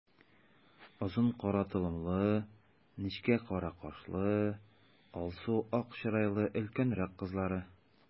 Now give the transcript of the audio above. Озын кара толымлы, нечкә кара кашлы, алсу-ак чырайлы өлкәнрәк кызлары.